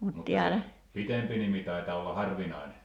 mutta se pitempi nimi taitaa olla harvinainen